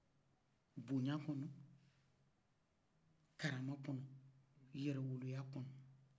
boɲan kɔɔn karama kɔnɔ yɛrɛ woloya kɔnɔ